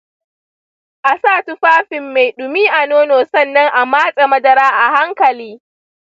asa tufafin me dumi a nono sannan a matse madara a hankali.